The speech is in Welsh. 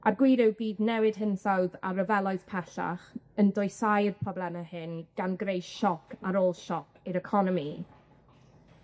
A'r gwir yw bydd newid hinsawdd a ryfeloedd pellach yn dwysau'r probleme hyn, gan greu sioc ar ôl sioc i'r economi.